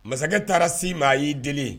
Masakɛ taara si ma a y'i deli.